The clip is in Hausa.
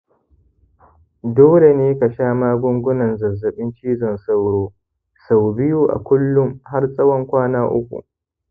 dole ne ka sha magungunan zazzabin cizon sauro sau biyu a kullum har tsawon kwana uku.